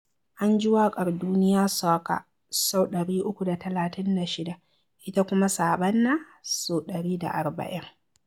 An ji waƙar "Duniyar Soca" sau 336, ita kuma "Saɓannah" 140.